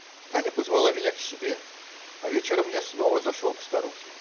" Таня позвала меня к себе, а вечером я снова зашел к старухе.